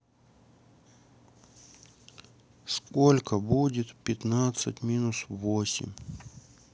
сколько будет пятнадцать минус восемь